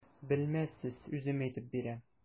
Белмәссез, үзем әйтеп бирәм.